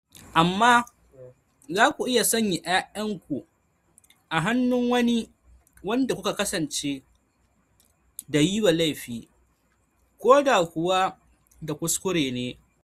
"Amma za ku sanya 'ya'yanku a hannun wani wanda kuka kasance da yiwa laifi, ko da kuwa ta kuskure ne?